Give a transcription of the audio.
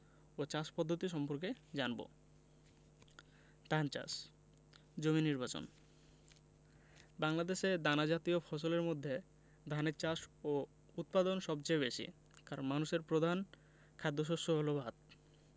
ও চাষ পদ্ধতি সম্পর্কে জানব ধান চাষ জমি নির্বাচনঃ বাংলাদেশে দানাজাতীয় ফসলের মধ্যে ধানের চাষ ও উৎপাদন সবচেয়ে বেশি কারন মানুষের প্রধান খাদ্যশস্য হলো ভাত